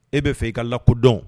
E bɛ fɛ i ka lakodɔn